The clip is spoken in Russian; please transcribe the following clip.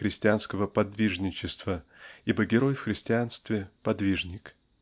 христианского подвижничества ибо герой в христианстве -- подвижник.